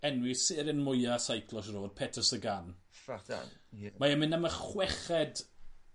enwi seren mwya seiclo siŵr o fod Peter Sagan. Yfarch dan 'dyn ni 'eb. Mae e'n mynd am y chweched